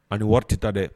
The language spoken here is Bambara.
A ni wari tɛ taa dɛ.